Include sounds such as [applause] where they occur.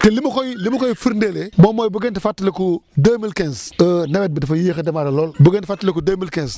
te li ma koy li ma koy firndelee moom mooy bu ngeen di fàttaliku deux mille quinze [hesitation] nawet bi dafa yéex a démarré lool bu ngeen fàttaliku deux mille quinze